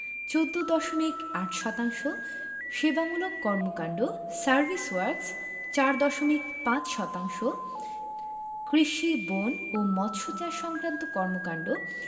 ১৪দশমিক ৮ শতাংশ সেবামূলক কর্মকান্ড সার্ভিস ওয়ার্ক্স ৪ দশমিক ৫ শতাংশ কৃষি বন ও মৎসচাষ সংক্রান্ত কর্মকান্ড